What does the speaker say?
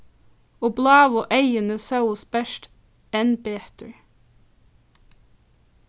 og bláu eyguni sóust bert enn betur